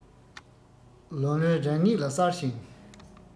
ལོ ལོན རང ཉིད ལ གསལ ཞིང